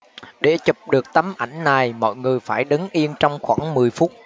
để chụp được tấm ảnh này mọi người phải đứng yên trong khoảng mười phút